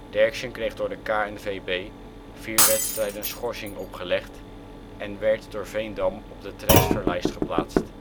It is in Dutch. Derksen kreeg door de KNVB vier wedstrijden schorsing opgelegd en werd door Veendam op de transferlijst geplaatst